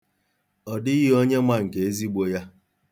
Ọ dịghị onye ma nke ezigbo ya.